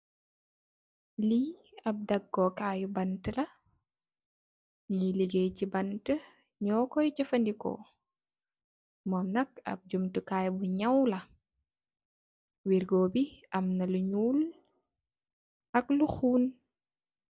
Li ap dagu kai bante la nyu legey si bante nyukoi jaffa ndeko li nak ap dagoh kai bu nyaw la wergoh amna lu nyul ak lu khorr